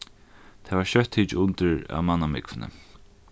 tað varð skjótt tikið undir av mannamúgvuni